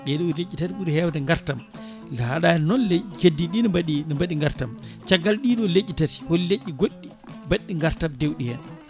ɗeɗo leƴƴi tati ɓuuri hewde gartam haaɗani noon leƴƴi keddiɗi ne mbaɗi ne mbaɗi gartam caggal ɗiɗo leƴƴi tati hol leƴƴi goɗɗi mbaɗɗi gartam dewɗi hen